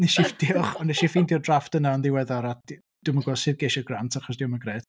Wnes i ff-... diolch! Ond wnes i ffeindio'r drafft yna yn ddiweddar a d- dwi'm yn gwbod sut ges i'r grant, achos diom yn grêt.